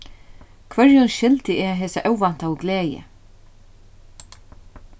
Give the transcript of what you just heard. hvørjum skyldi eg hesa óvæntaðu gleði